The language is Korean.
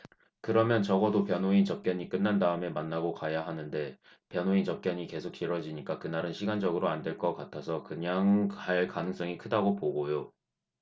그러면 적어도 변호인 접견이 끝난 다음에 만나고 가야 하는데 변호인 접견이 계속 길어지니까 그날은 시간적으로 안 될 것 같아서 그냥 갈 가능성이 크다고 보고요